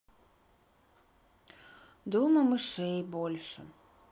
дома мышей больше